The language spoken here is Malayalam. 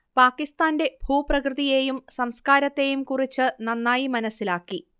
പാകിസ്താന്റെ ഭൂപ്രകൃതിയെയും സംസ്കാരത്തെയും കുറിച്ച് നന്നായി മനസ്സിലാക്കി